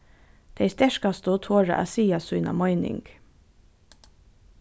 tey sterkastu tora at siga sína meining